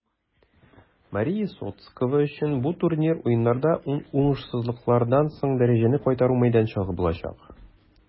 Мария Сотскова өчен бу турнир Уеннарда уңышсызлыклардан соң дәрәҗәне кайтару мәйданчыгы булачак.